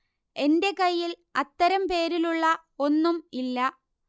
എന്റെ കയ്യിൽ അത്തരം പേരിലുള്ള ഒന്നും ഇല്ല